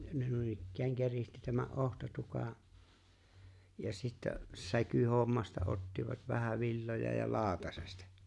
ne noin keritsi tämän otsatukan ja sitten säkyhommasta ottivat vähä villoja ja lautasesta